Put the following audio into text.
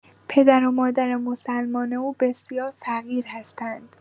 پدر و مادر مسلمان او بسیار فقیر هستند.